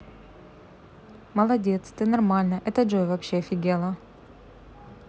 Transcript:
молодец ты нормальная это джой вообще офигела